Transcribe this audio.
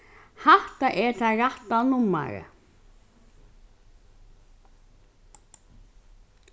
hatta er tað rætta nummarið